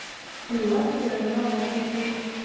Уйлап торырга вакыт юк!